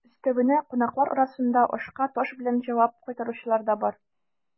Өстәвенә, кунаклар арасында ашка таш белән җавап кайтаручылар да бар.